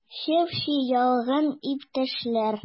Чеп-чи ялган, иптәшләр!